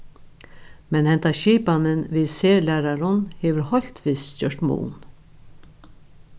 men henda skipanin við serlærarum hevur heilt vist gjørt mun